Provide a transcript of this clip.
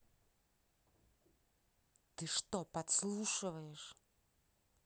ты что подслушиваешь